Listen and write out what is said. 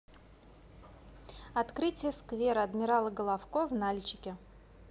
открытие сквера адмирала головко в нальчике